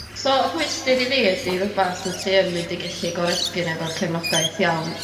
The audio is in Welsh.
So rhwystyr i fi ydi rwbath w't ti yn mynd i gellu goresgyn efo'r cefnogaeth iawn.